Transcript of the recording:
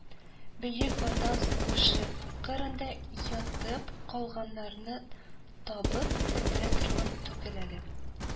- бөек ватан сугышы кырында ятып калганнарны табып бетерә торган түгел әле